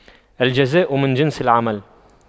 الجزاء من جنس العمل